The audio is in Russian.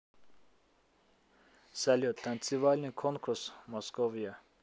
салют танцевальный конкурс московия